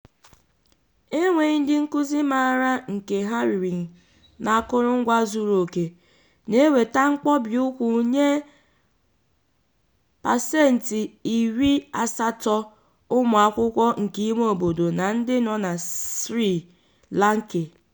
E nweghị ndị nkuzi maara nke ha riri na akụrụngwa zuruoke na-eweta mkpọbi ụkwụ nye 80% ụmụ akwụkwọ nke ịme obodo na ndị nọ na Sri Lanka.